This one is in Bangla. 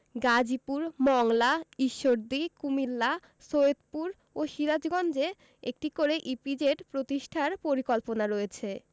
গাজীপুর মংলা ঈশ্বরদী কুমিল্লা সৈয়দপুর ও সিরাজগঞ্জে একটি করে ইপিজেড প্রতিষ্ঠার পরিকল্পনা রয়েছে